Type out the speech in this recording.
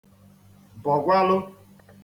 bọ̀gwalụ